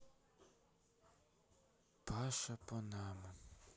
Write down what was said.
паша панамо